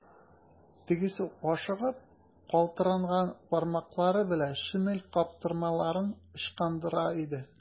Тегесе ашыгып, калтыранган бармаклары белән шинель каптырмаларын ычкындыра иде.